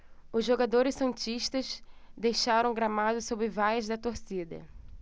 os jogadores santistas deixaram o gramado sob vaias da torcida